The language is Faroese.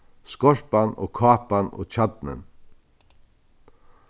skorpan og kápan og kjarnin